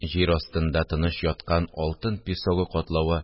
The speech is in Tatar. Җир астында тыныч яткан алтын песогы катлавы